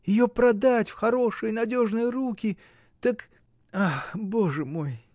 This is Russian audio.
Ее продать в хорошие, надежные руки — так. Ах, Боже мой!